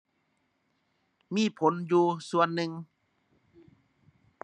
มีผลอยู่ส่วนหนึ่ง